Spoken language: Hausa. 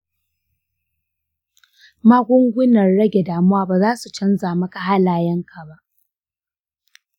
magungunan rage damuwa ba za su canza maka halayyanka ba.